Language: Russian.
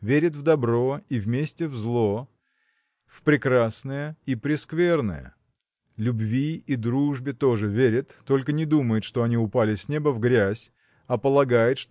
Верит в добро и вместе в зло, в прекрасное и прескверное. Любви и дружбе тоже верит только не думает что они упали с неба в грязь а полагает